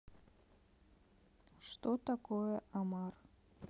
что такое омар